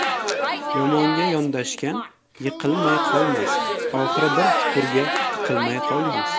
yomonga yondashgan yiqilmay qolmas oxiri bir chuqurga tiqilmay qolmas